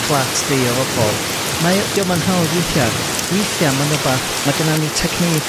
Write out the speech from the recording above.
fflat di o fobol mae o... dio'm yn hawdd withia, withia ma'n wbath ma' genna ni.technique